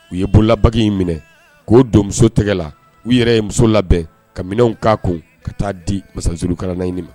U ye bololaba in minɛ k'o donso tɛgɛla u yɛrɛ ye muso labɛn ka minɛn k'a kun ka'a di masazurukaraɲini ma